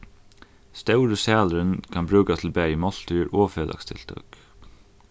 stóri salurin kann brúkast til bæði máltíðir og felagstiltøk